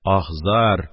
Аһ-зар,